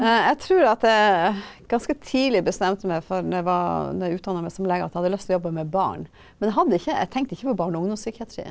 jeg trur at jeg ganske tidlig bestemte meg for når jeg var når jeg utdanna meg som lege at jeg hadde lyst til å jobbe med barn, men jeg hadde ikke jeg tenkte ikke på barne- og ungdomspsykiatri.